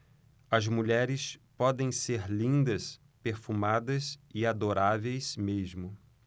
as mulheres podem ser lindas perfumadas e adoráveis mesmo